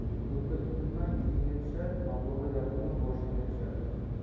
ko'kka tupurma yuzingga tushar noto'g'ri gapirma boshingga tushar